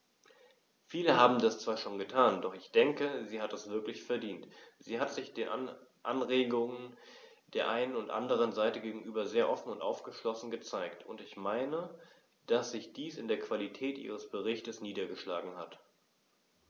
Viele haben das zwar schon getan, doch ich denke, sie hat es wirklich verdient, denn sie hat sich Anregungen der einen und anderen Seite gegenüber sehr offen und aufgeschlossen gezeigt, und ich meine, dass sich dies in der Qualität ihres Berichts niedergeschlagen hat.